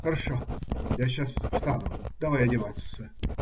Хорошо, я сейчас встану. Давай одеваться.